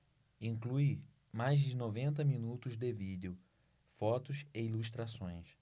inclui mais de noventa minutos de vídeo fotos e ilustrações